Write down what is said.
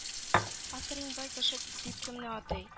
Автор иң бай кеше дип кемне атый